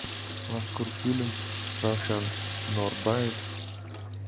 mazkur film ravshan norbayev